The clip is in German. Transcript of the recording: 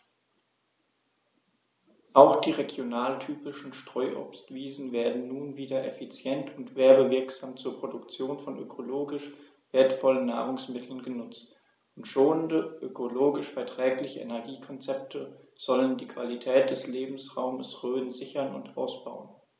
Auch die regionaltypischen Streuobstwiesen werden nun wieder effizient und werbewirksam zur Produktion von ökologisch wertvollen Nahrungsmitteln genutzt, und schonende, ökologisch verträgliche Energiekonzepte sollen die Qualität des Lebensraumes Rhön sichern und ausbauen.